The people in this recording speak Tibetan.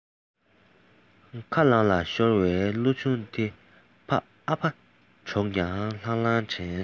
ཁ ལངས ལ ཤོར བའི གླུ ཆུང དེ ཕ ཨ ཕ གྲོངས ཡང ལྷང ལྷང ལེན